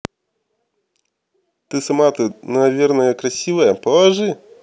ты сама то ты наверное красивая положи